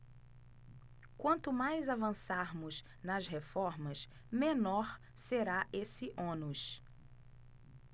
quanto mais avançarmos nas reformas menor será esse ônus